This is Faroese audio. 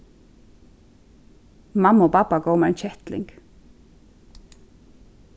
mamma og babba góvu mær ein kettling